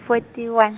fourty one.